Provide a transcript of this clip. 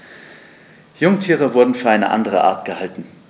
Jungtiere wurden für eine andere Art gehalten.